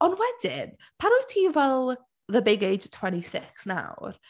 Ond wedyn, pan wyt ti fel the big age twenty six nawr.